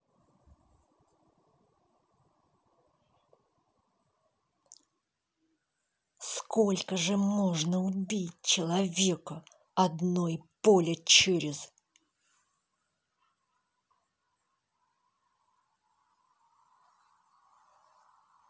сколько же можно убить человека одной поле через